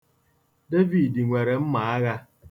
Devid nwere mmaagha.